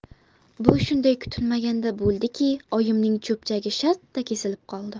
bu shunday kutilmaganda bo'ldiki oyimning cho'pchagi shartta kesilib qoldi